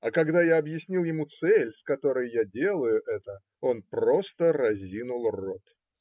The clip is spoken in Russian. А когда я объяснил ему цель, с которою я делаю это, он просто разинул рот.